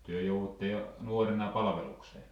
te jouduitte jo nuorena palvelukseen